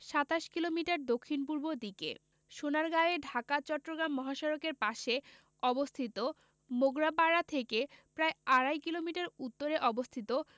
২৭ kilometre দক্ষিণপূর্ব দিকে সোনারগাঁয়ে ঢাকা চট্রগ্রাম মহাসড়কের পাশে অবস্থিত মোগরাপাড়া থেকে প্রায় আড়াই কিলোমিটার উত্তরে অবস্থিত